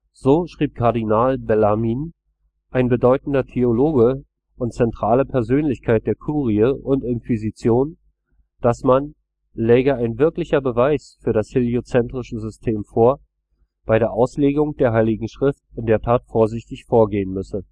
So schrieb Kardinal Bellarmin, ein bedeutender Theologe und zentrale Persönlichkeit der Kurie und Inquisition, dass man, läge ein wirklicher Beweis für das heliozentrische System vor, bei der Auslegung der heiligen Schrift in der Tat vorsichtig vorgehen müsse